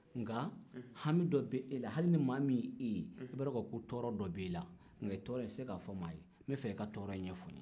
nka hami dɔ bɛ e la hali nin maa min ye e ye e b'a don k'a fɔ ko tɔɔrɔ dɔ b'e la nka tɔɔrɔ in e tɛ se k'a fɔ maa ye ne bɛ fɛ e ka tɔɔrɔ in ɲɛfɔ ne ye